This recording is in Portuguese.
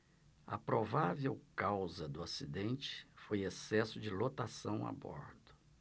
a provável causa do acidente foi excesso de lotação a bordo